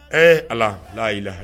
Ɛɛ ala layi